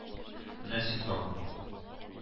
Менә син тагын